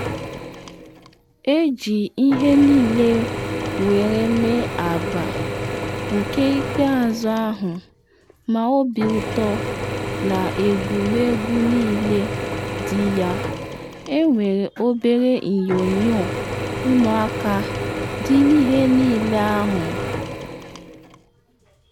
Eji ihe niile were mee agba nke ikpeazụ ahụ, ma obi uto na egwumegwu niile dị ya, enwere obere TV ụmụaka dị n’ihe niile ahụ.